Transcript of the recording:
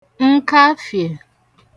nkafìè